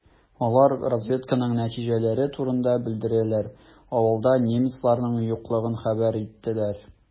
Алар разведканың нәтиҗәләре турында белдерделәр, авылда немецларның юклыгын хәбәр иттеләр.